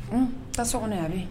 Um taa so kɔnɔ a bɛye